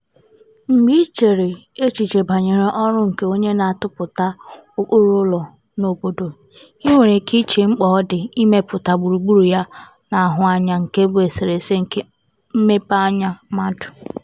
Mgbe i chere echiche banyere ọrụ nke onye na-atụpụta ụkpụrụ ụlọ n'obodo, i nwere ike iche mkpa ọ dị imepụta gburugburu a na-ahụ anya nke bụ eserese nke mmepeanya mmadụ.